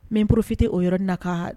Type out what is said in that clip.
Min porofite o yɔrɔ na ka